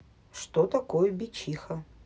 что такое бичиха